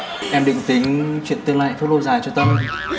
em đang tính chuyện tương lai hạnh phúc lâu dài cho tâm